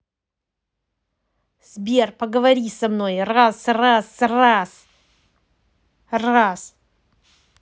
сбер поговори со мной раз раз раз раз